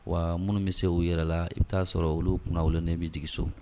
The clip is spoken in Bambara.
Wa minnu bɛ se u yɛrɛ la i bɛ t'a sɔrɔ olu kuma ne bɛ sigi so